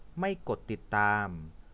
ไม่กดติดตาม